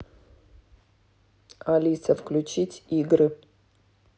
алиса включить игры